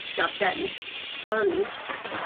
Job done. Ond